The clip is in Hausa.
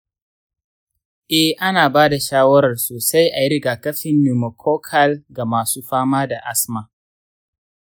eh, ana ba da shawarar sosai a yi rigakafin pneumococcal ga masu fama da asma.